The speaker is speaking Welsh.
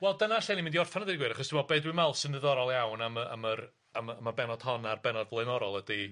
Wel dyna lle ni'n mynd i orffen a deud y gwir achos dwi'n me'wl be' dwi'n me'wl sy'n ddiddorol iawn am y am yr am y am y bennod hon a'r bennod blaenorol ydi